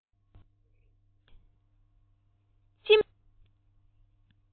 ཅི མི སྐྱོན ཨེ ཅི མི སྐྱོན ཨེ